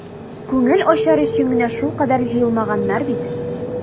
Күңел ачар өчен генә шулкадәр җыелмаганнар бит.